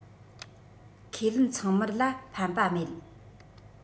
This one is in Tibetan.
ཁས ལེན ཚང མར ལ ཕན པ མེད